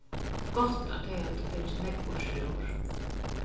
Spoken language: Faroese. gott at tey høvdu fingið nógv burturúr